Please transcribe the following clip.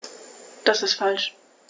Das ist falsch.